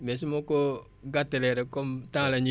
mais su ma ko gàttalee rek comme tempa la ñuy